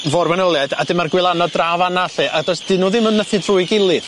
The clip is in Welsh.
forwenoliaid a dyma'r gwylanod draw fan'na lly a do's- dyn nhw ddim yn nythu drwy'i gilydd.